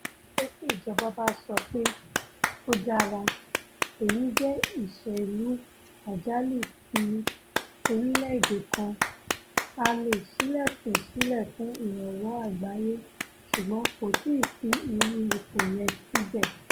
Ní kété tí ìjọba bá sọ pé, ''Ó dára, èyí jẹ́ ìṣẹ̀lù àjálù ti orílẹ̀-èdè kan,'' a leè sílẹ̀kùn sílẹ̀ fún ìrànwọ́ àgbáyé ṣùgbọ́n kò tìí sí irú ipò yẹn síbẹ̀.